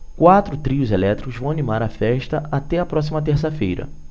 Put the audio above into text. quatro trios elétricos vão animar a festa até a próxima terça-feira